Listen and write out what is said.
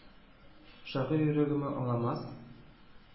Шагыйрь йөрәгеме аңламас?